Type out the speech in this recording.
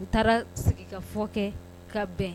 N taara sigi ka fɔ kɛ ka bɛn